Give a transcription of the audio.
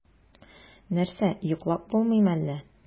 Нәрсә, йоклап булмыймы әллә?